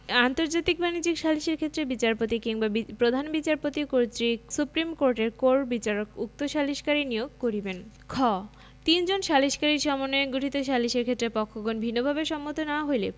আন্তর্জাতিক বাণিজ্যিক সালিসের ক্ষেত্রে বিচারপতি বিংবা প্রধান বিচারপতি কর্তৃক সুপ্রীম কোর্টের কোর বিচারক উক্ত সালিসকারী নিয়োগ করিবেন খ তিনজন সালিসকারী সমন্বয়ে গঠিত সালিসের ক্ষেত্রে পক্ষগণ ভিন্নভাবে সম্মত না হইলে